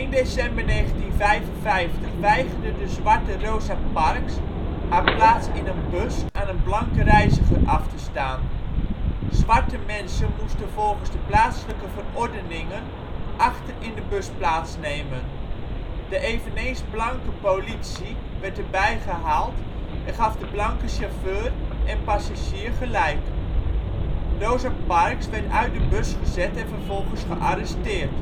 december 1955 weigerde de zwarte Rosa Parks haar plaats in een bus aan een blanke reiziger af te staan. Zwarte mensen moesten volgens de plaatselijke verordeningen achter in de bus plaatsnemen. De (eveneens blanke) politie werd er bij gehaald en gaf de blanke chauffeur en passagier gelijk. Rosa Parks werd uit de bus gezet en vervolgens gearresteerd. De